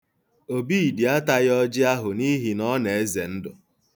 Obidi ataghị ọjị ahụ n'ihi na ọ na-eze ndụ.